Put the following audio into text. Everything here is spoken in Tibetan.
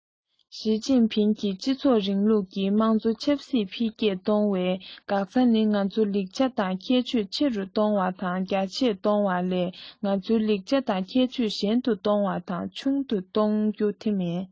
ཞིས ཅིན ཕིང གིས སྤྱི ཚོགས རིང ལུགས ཀྱི དམངས གཙོ ཆབ སྲིད འཕེལ རྒྱས གཏོང བའི འགག རྩ ནི ང ཚོའི ལེགས ཆ དང ཁྱད ཆོས ཆེ རུ གཏོང བ དང རྒྱ ཆེར གཏོང བ ལས ང ཚོའི ལེགས ཆ དང ཁྱད ཆོས ཞན དུ གཏོང བ དང ཆུང དུ གཏོང རྒྱུ དེ མིན